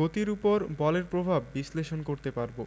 গতির উপর বলের প্রভাব বিশ্লেষণ করতে পারব